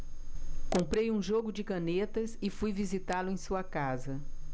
comprei um jogo de canetas e fui visitá-lo em sua casa